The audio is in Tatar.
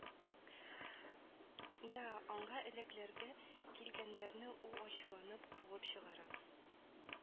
Да аңа әләкләргә килгәннәрне ул ачуланып куып чыгара